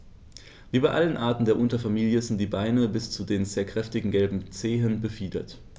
Wie bei allen Arten der Unterfamilie sind die Beine bis zu den sehr kräftigen gelben Zehen befiedert.